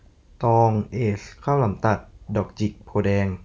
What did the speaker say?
ตองเอซข้าวหลามตัดดอกจิกโพธิ์แดง